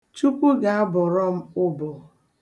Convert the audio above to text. Chukwu ga-abọrọ m ụbọ.